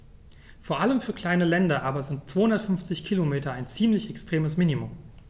Vor allem für kleine Länder aber sind 250 Kilometer ein ziemlich extremes Minimum.